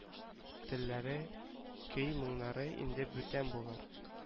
Телләре көй-моңнары инде бүтән булыр